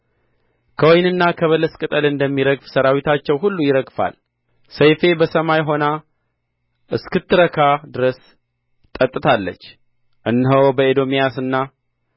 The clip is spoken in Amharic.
ከወይንና ከበለስም ቅጠል እንደሚረግፍ ሠራዊታቸው ሁሉ ይረግፋል ሰይፌ በሰማይ ሆና እስክትረካ ድረስ ጠጥታለች እነሆ በኤዶምያስና